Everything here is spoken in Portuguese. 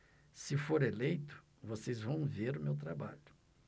se for eleito vocês vão ver o meu trabalho